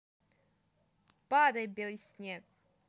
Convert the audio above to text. падал белый снег